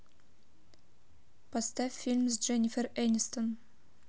поставь фильм с дженнифер энистон